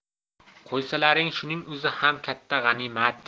qo'ysalaring shuning o'zi ham katta g'animat